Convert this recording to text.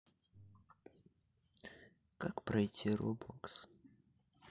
как пройти роблокс